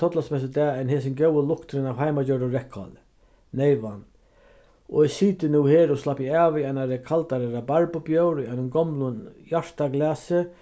tollaksmessudag enn hesin góði lukturin av heimagjørdum reyðkáli neyvan og eg siti nú her og slappi av við einari kaldari rabarbubjór í einum gomlum hjartaglasi